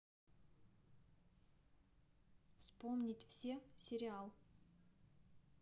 вспомнить все сериал